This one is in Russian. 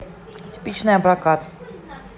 типичное прокат